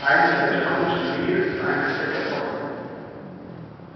ein kann leggja kong sín niður ella ein kann steðga klokkuni